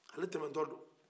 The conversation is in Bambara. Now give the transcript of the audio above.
ale tɛmɛ tɔ don